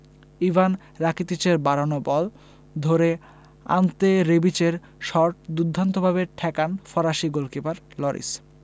Ivan রাকিতিচের বাড়ানো বল ধরে আন্তে রেবিচের শট দুর্দান্তভাবে ঠেকান ফরাসি গোলকিপার লরিস